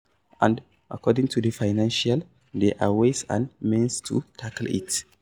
And, according to the official, there are ways and means to tackle it.